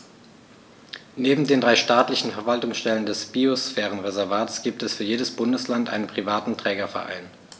Neben den drei staatlichen Verwaltungsstellen des Biosphärenreservates gibt es für jedes Bundesland einen privaten Trägerverein.